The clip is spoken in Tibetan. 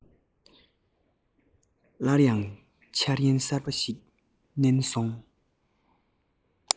སླར ཡང འཆར ཡན གསར པ ཞིག བསྣན སོང